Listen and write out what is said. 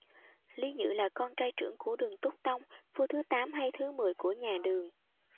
lý dự là con trai trưởng của đường túc tông vua thứ tám hay thứ mười của nhà đường